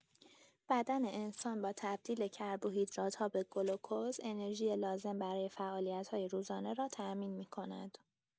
بدن انسان با تبدیل کربوهیدرات‌ها به گلوکز، انرژی لازم برای فعالیت‌های روزانه را تامین می‌کند.